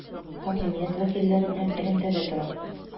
Хакимият вәкилләре белән элемтәдә тора.